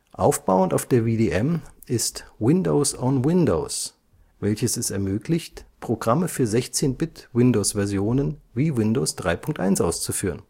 Aufbauend auf der VDM ist Windows on Windows (WoW), welches es ermöglicht, Programme für 16-Bit-Windowsversionen wie Windows 3.1 auszuführen